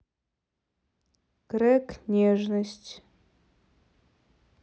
крег нежность